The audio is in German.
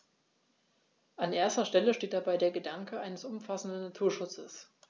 An erster Stelle steht dabei der Gedanke eines umfassenden Naturschutzes.